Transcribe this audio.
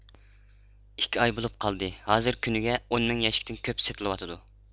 ئىككى ئاي بولۇپ قالدى ھازىر كۈنىگە ئون مىڭ يەشىكتىن كۆپ سېتىلىۋاتىدۇ